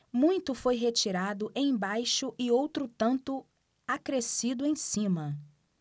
muito foi retirado embaixo e outro tanto acrescido em cima